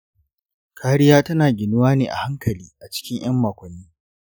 kariya tana ginuwa ne a hankali a cikin ‘yan makonni.